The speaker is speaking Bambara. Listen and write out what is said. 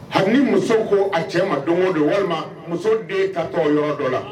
Hali ni muso ko a cɛ ma don o don walima muso den taatɔ yɔrɔ dɔ la